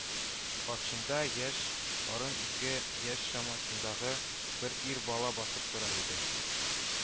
Каршымда яшь арым-ике яшь чамасындагы бер ир бала басып тора иде